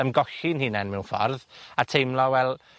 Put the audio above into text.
ymgolli'n hunen mewn ffordd, a teimlo, wel,